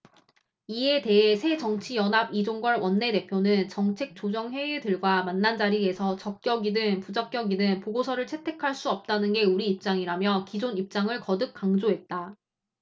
이에 대해 새정치연합 이종걸 원내대표는 정책조정회의 들과 만난 자리에서 적격이든 부적격이든 보고서를 채택할 수 없다는 게 우리 입장이라며 기존 입장을 거듭 강조했다